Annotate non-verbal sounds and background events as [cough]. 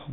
[hesitation] [hesitation]